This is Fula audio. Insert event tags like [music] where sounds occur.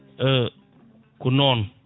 [hesitation] ko noon